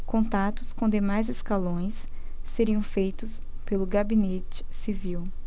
contatos com demais escalões seriam feitos pelo gabinete civil